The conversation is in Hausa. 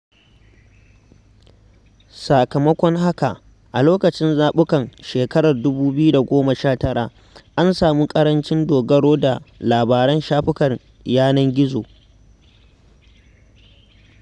Sakamakon haka, a lokacin zaɓukan shekarar 2019 an samu ƙarancin dogaro da labaran shafukan yanar gizo.